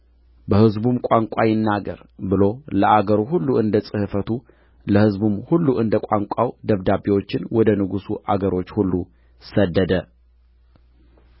በሕዝቡም ቋንቋ ይናገር ብሎ ለአገሩ ሁሉ እንደ ጽሕፈቱ ለሕዝቡም ሁሉ እንደ ቋንቋው ደብዳቤዎችን ወደ ንጉሡ አገሮች ሁሉ ሰደደ